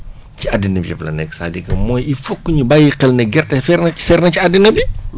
ci àddina bi yëpp la nekk c' à dire que mooy il foog ñu bàyyi xel ne gerte cher na cher na ci àddina bi